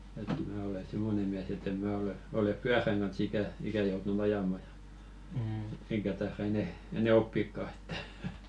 että minä olen semmoinen mies että en minä ole ole pyörän kanssa ikänä ikänä joutunut ajamaan ja enkä taida enää enää oppiakaan että